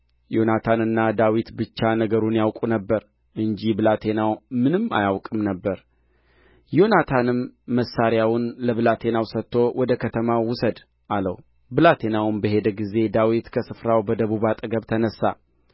ዮናታንና ዳዊት ብቻ ነገሩን ያውቁ ነበር እንጂ ብላቴናው ምንም አያውቅም ነበር ዮናታንም መሣርያውን ለብላቴናው ሰጥቶ ወደ ከተማ ውሰድ አለው ብላቴናውም በሄደ ጊዜ ዳዊት ከስፍራው በደቡብ አጠገብ ተነሣ